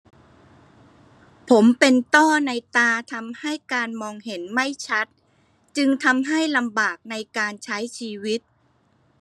ผมเป็นต้อในตาทำให้การมองเห็นไม่ชัดจึงทำให้ลำบากในการใช้ชีวิต